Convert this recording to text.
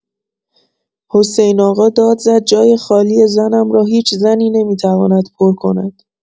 حسین آقا داد زد جای خالی زنم را هیچ زنی نمی‌تواند پر کند.